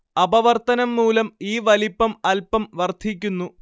അപവർത്തനം മൂലം ഈ വലിപ്പം അൽപം വർദ്ധിക്കുന്നു